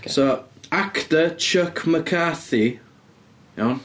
So actor Chuck McCarthy, iawn?